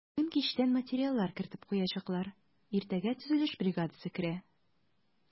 Бүген кичтән материаллар кертеп куячаклар, иртәгә төзелеш бригадасы керә.